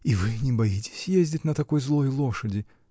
-- И вы не боитесь ездить на такой злой лошади?